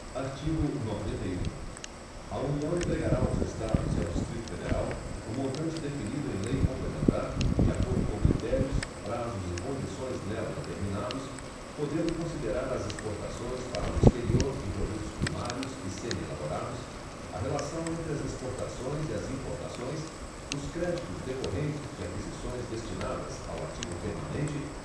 artigo noventa e um a união entregará aos estados e ao distrito federal o montante definido em lei complementar de acordo com critérios prazos e condições nela determinados podendo considerar as exportações para o exterior de produtos primários e semi elaborados a relação entre as exportações e as importações os créditos decorrentes de aquisições destinadas ao ativo permanente